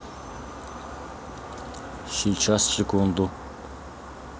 сейчас секунду